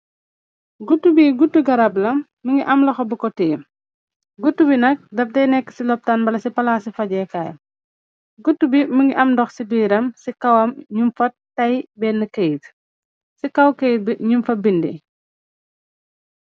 Guut bi gutu garab la mi ngi am loxa b ko tiim, gut bi nak dabde nekk ci loptaan bala ci palaa ci fajekaay. Gut bi mi ngi am ndox ci diiram ci kawam ñum fa tay benn kayt, ci kaw këyt b ñum fa bindi.